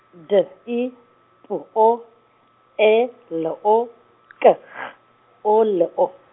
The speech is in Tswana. D I, P O, E, L O, K G, O L O.